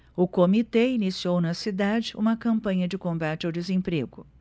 o comitê iniciou na cidade uma campanha de combate ao desemprego